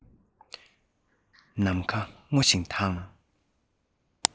ནམ མཁའ སྔོ ཞིང དྭངས